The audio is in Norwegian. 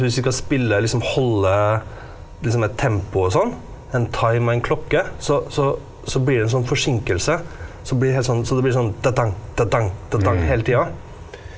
hvis vi skal spille liksom holde liksom et tempo og sånn en time og en klokke så så så blir det en sånn forsinkelse, så blir det helt sånn så det blir sånn hele tida.